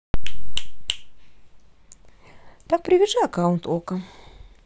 так привяжи аккаунт okko